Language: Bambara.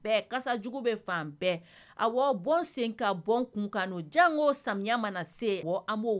Bɛ kasajugu bɛ fan bɛɛ, awɔ bɔ n sen kan bɔ n kun kan don jango samiyɛ mana se, wɔ an bo